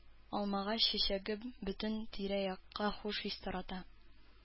Алмагач чәчәге бөтен тирә-якка хуш ис тарата.